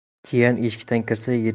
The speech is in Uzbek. jiyan eshikdan kirsa